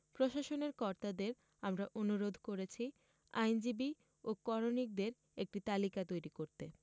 প্রশাসনের কর্তাদের আমরা অনুরোধ করেছি আইনজীবী ও করণিকদের একটি তালিকা তৈরী করতে